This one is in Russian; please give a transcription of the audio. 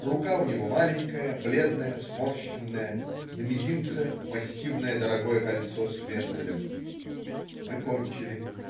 Рука у него маленькая, бледная, сморщенная, на мизинце - массивное, дорогое кольцо с вензелем. Мы кончили.